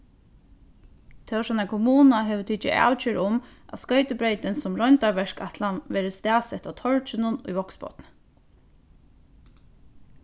tórshavnar kommuna hevur tikið avgerð um at skoytubreytin sum royndarverkætlan verður staðsett á torginum í vágsbotni